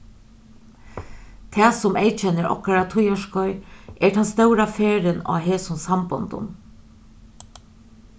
tað sum eyðkennir okkara tíðarskeið er tann stóra ferðin á hesum sambondum